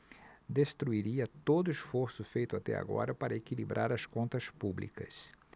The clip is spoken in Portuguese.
destruiria todo esforço feito até agora para equilibrar as contas públicas